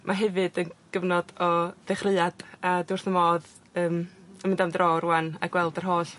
ma' hefyd yn gyfnod o ddechreuad a dwi wrth fy modd yym yn mynd am dro rŵan a gweld yr holl